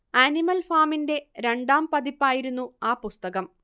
animal ഫാമിന്റെ രണ്ടാം പതിപ്പായിരുന്നു ആ പുസ്തകം